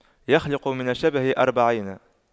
يخلق من الشبه أربعين